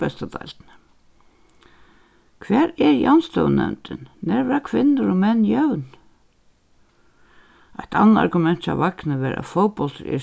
bestu deildini hvar er javnstøðunevndin nær verða kvinnur og menn jøvn eitt annað argument hjá vagni var at fótbóltur er